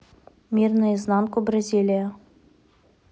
мир наизнанку бразилия